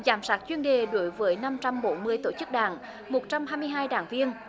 giám sát chuyên đề đối với năm trăm bốn mươi tổ chức đảng một trăm hai mươi hai đảng viên